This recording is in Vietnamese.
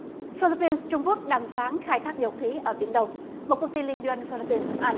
phi líp pin trung quốc đàm phán khai thác dầu khí ở biển đông một công ty liên doanh phi líp pin anh